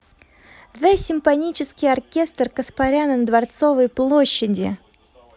the симфонический оркестр каспаряна на дворцовой площади